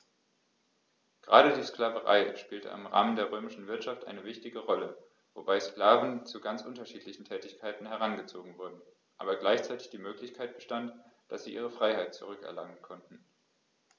Gerade die Sklaverei spielte im Rahmen der römischen Wirtschaft eine wichtige Rolle, wobei die Sklaven zu ganz unterschiedlichen Tätigkeiten herangezogen wurden, aber gleichzeitig die Möglichkeit bestand, dass sie ihre Freiheit zurück erlangen konnten.